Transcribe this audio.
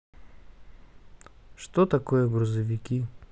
что такое грузовики